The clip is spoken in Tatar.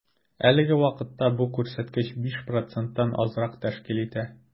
Әлеге вакытта бу күрсәткеч 5 проценттан азрак тәшкил итә.